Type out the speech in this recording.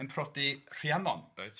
yn prodi Rhiannon. Reit.